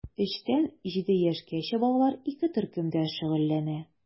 3 тән 7 яшькәчә балалар ике төркемдә шөгыльләнә.